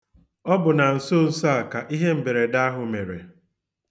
Ọ bụ na nsonso a ka ihe mberede ahụ mere.